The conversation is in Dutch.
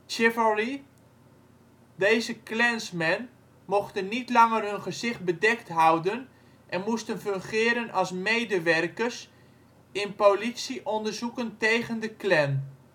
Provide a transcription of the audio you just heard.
Chivalry. Deze Klansmen mochten niet langer hun gezicht bedekt houden en moesten fungeren als medewerkers in politie-onderzoeken tegen de Klan